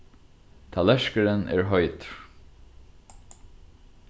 tallerkurin er heitur